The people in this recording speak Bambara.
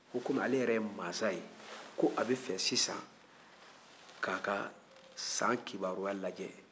ko komi ale yɛrɛ ye masa ye ko a bɛ fe sisan ka a ka san kibaruya lajɛ